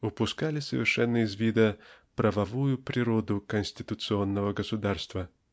упускали совершенно из вида правовую природу конституционного государства.